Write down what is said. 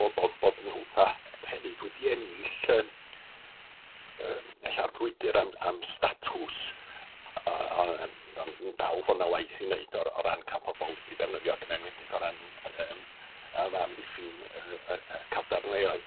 bo' bod bod nw fatha hefyd wedi ennill yym yym ella'r frwydyr am am statws yy o yy ond yn dal fo' 'na waith i wneud o r- o ran ca'l pobol i ddefnyddio, ac yn enwedig o ran yym yym amddiffyn yy y y cadarnleoedd.